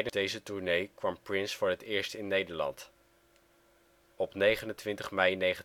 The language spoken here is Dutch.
deze tournee kwam Prince voor het eerst in Nederland. Op 29 mei 1981